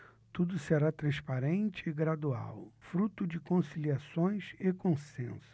tudo será transparente e gradual fruto de conciliações e consensos